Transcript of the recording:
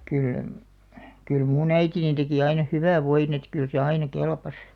kyllä kyllä minun äitini teki aina hyvän voin että kyllä se aina kelpasi